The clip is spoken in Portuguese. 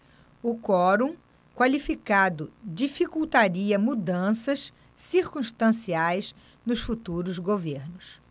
o quorum qualificado dificultaria mudanças circunstanciais nos futuros governos